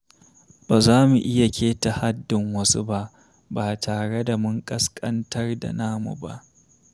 Ba za mu iya keta haddin wasu ba, ba tare da mun ƙasƙantar da namu ba.